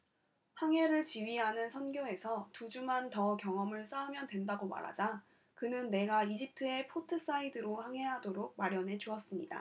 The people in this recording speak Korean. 항해를 지휘하는 선교에서 두 주만 더 경험을 쌓으면 된다고 말하자 그는 내가 이집트의 포트사이드로 항해하도록 마련해 주었습니다